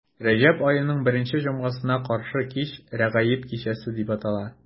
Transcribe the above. Рәҗәб аеның беренче җомгасына каршы кич Рәгаиб кичәсе дип атала.